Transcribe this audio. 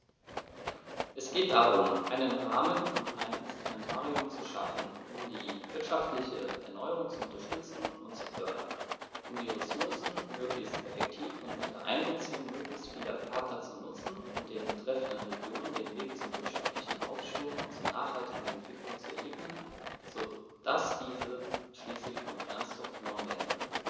Es geht darum, einen Rahmen und ein Instrumentarium zu schaffen, um die wirtschaftliche Erneuerung zu unterstützen und zu fördern, um die Ressourcen möglichst effektiv und unter Einbeziehung möglichst vieler Partner zu nutzen und den betreffenden Regionen den Weg zum wirtschaftlichen Aufschwung und zur nachhaltigen Entwicklung zu ebnen, so dass diese schließlich vom Finanztropf genommen werden können.